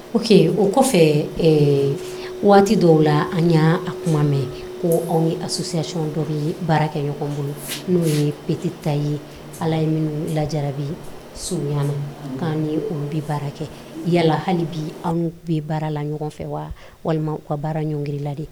Oke o kɔfɛ waati dɔw la an y' a kuma mɛn ko aw ni a susiyasiɔn dɔw ye baara kɛ ɲɔgɔn bolo n' ye ptita ye ala ye minnu lajabi suya na' ni olu bɛ baara kɛ yala hali bɛ anw bɛ baara la ɲɔgɔn fɛ wa walima ka baara ɲɔgɔnkilila de